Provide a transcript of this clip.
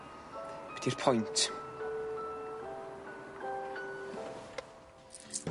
Be' di'r point?